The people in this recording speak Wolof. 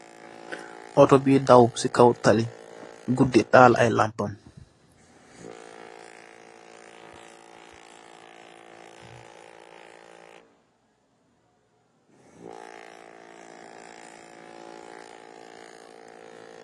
Otto buy daw si kow tali bi